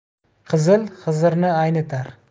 qizil xizirni aynitar